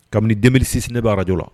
Kabini denmisɛnninsi nebaajɔ la